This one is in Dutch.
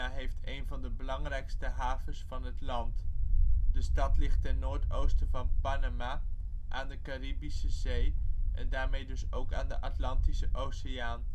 heeft een van de belangrijkste havens van het land. De stad ligt ten noordoosten van Panama, aan de Caribische Zee en daarmee dus ook aan de Atlantische Oceaan